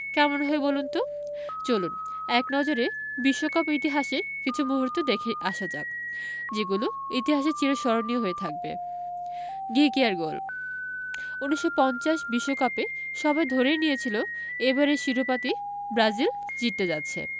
কেমন হয় বলুন তো চলুন এক নজরে বিশ্বকাপ ইতিহাসের কিছু মুহূর্ত দেখে আসা যাক যেগুলো ইতিহাসে চিরস্মরণীয় হয়ে থাকবে ঘিঘিয়ার গোল ১৯৫০ বিশ্বকাপে সবাই ধরেই নিয়েছিল এবারের শিরোপাটি ব্রাজিল জিততে যাচ্ছে